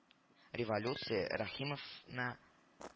Революция Рәхимовны